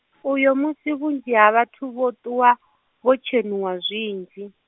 uyo musi vhunzhi ha vhathu vho ṱuwa, vho tshenuwa zwinzhi.